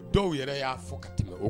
Dɔw yɛrɛ y'a fɔ ka tɛmɛ o kan